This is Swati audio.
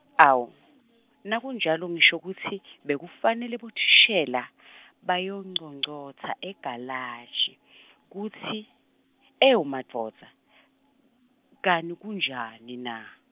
awu, nakunjalo ngisho kutsi bekufanele bothishela , bayonconcotsa egalaji , kutsi, ewumadvodza , kani kunjanina.